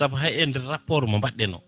saabu hay e nder rapport mo mbaɗɗen o